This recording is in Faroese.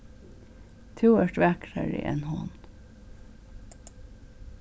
tú ert vakrari enn hon